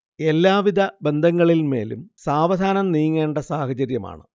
എല്ലാ വിധ ബന്ധങ്ങളിന്മേലും സാവധാനം നീങ്ങേണ്ട സാഹചര്യമാണ്